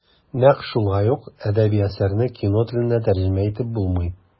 Нәкъ шулай ук әдәби әсәрне кино теленә тәрҗемә итеп булмый.